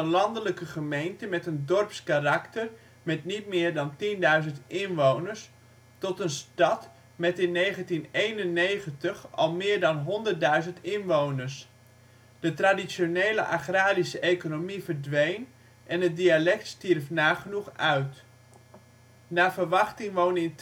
landelijke gemeente met een dorps karakter met niet meer dan 10.000 inwoners tot een stad met in 1991 al meer dan 100.000 inwoners. De traditionele agrarische economie verdween en het dialect stierf nagenoeg uit. Naar verwachting wonen in